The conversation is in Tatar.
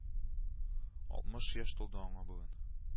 Алтмыш яшь тулды аңа бүген